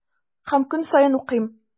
Һәм көн саен укыйм.